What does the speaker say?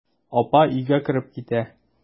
Апа өйгә кереп китә.